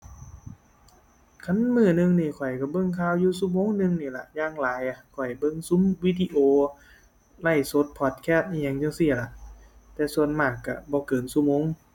คันมื้อหนึ่งนี่ข้อยก็เบิ่งข่าวอยู่ชั่วโมงหนึ่งนี่ล่ะ อย่างหลายอะ ข้อยเบิ่งซุมวิดีโอ ไลฟ์สด พอดแคสต์อิหยังจั่งซี้ล่ะ แต่ส่วนมากก็บ่เกินชั่วโมง